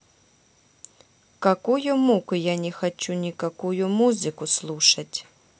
какую муку я не хочу никакую музыку слушать